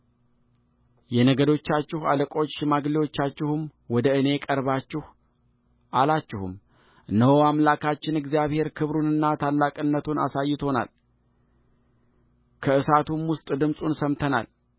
የነገዶቻችሁ አለቆች ሽማግሌዎቻችሁም ወደ እኔ ቀረባችሁአላችሁም እነሆ አምላካችን እግዚአብሔር ክብሩንና ታላቅነቱን አሳይቶናል ከእሳቱም ውስጥ ድምፁን ሰምተናል